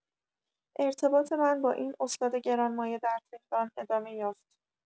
ارتباط من با این استاد گرانمایه در تهران ادامه یافت.